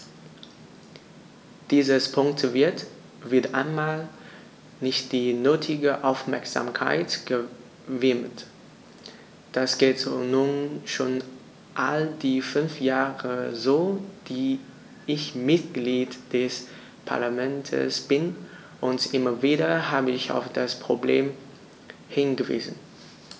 Diesem Punkt wird - wieder einmal - nicht die nötige Aufmerksamkeit gewidmet: Das geht nun schon all die fünf Jahre so, die ich Mitglied des Parlaments bin, und immer wieder habe ich auf das Problem hingewiesen.